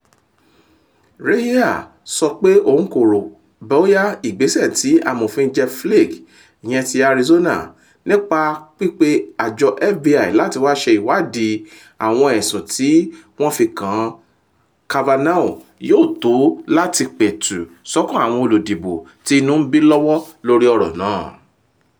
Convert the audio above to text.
Reheer sọ pé òun kò rò bóyá ìgbésẹ̀ tí Amòfin Jeff Flake (R-Arizona) nípa pípè àjọ FBI láti wá ṣe ìwádìí àwọn ẹ̀sùn tí wọ́n fi kan Kavanaugh yóò tó láti pẹ̀tù sọ́kàn àwọn olùdìbò tí inú ń bí lọ́wọ́ lórí ọ̀rọ̀ náà.